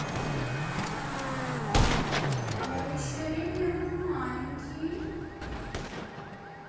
я еще ребенок маленький